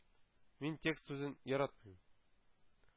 Мин текст сүзен яратмыйм.